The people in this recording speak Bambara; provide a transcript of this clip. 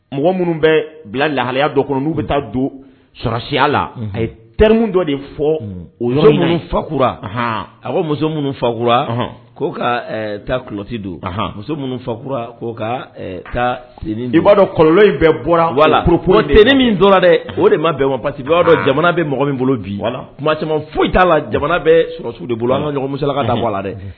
Mɔgɔ minnu bɛ bila lahalaya dɔ kɔnɔ n'u bɛ taa donsiya la a ye teriri dɔ de fɔ o minnu fakura a ko muso minnu fakura k'o ka taaloti don muso minnu fa k' ka taa b'a dɔn kɔlɔn in bɛɛ bɔra wala pt min tora dɛ o de ma bɛn wa pa que b'a dɔn jamana bɛ mɔgɔ min bolo bi tuma caman foyi t'a la jamana bɛ sɔrɔsiw de bolo amusola ka dabɔ la dɛ